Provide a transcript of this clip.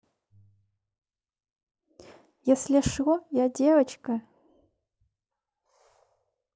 если шо я девочка